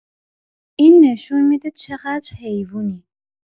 این نشون می‌ده چقدر حیوونی.